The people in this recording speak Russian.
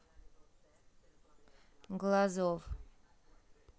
глазов